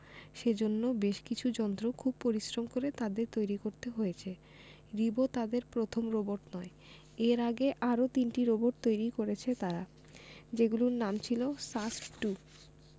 সেজন্য বেশ কিছু যন্ত্র খুব পরিশ্রম করে তাদের তৈরি করতে হয়েছে রিবো তাদের প্রথম রোবট নয় এর আগে আরও তিনটি রোবট তৈরি করেছে তারা যেগুলোর নাম ছিল সাস্ট টু